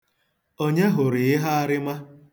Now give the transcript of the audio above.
Onye hụrụ ihearịma?